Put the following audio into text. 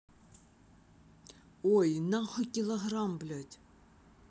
ой нахуй килограмм блядь